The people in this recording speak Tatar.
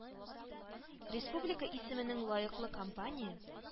Республика исеменең лаеклы компания